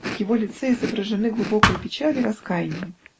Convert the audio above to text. в его лице изображены глубокая печаль и раскаяние.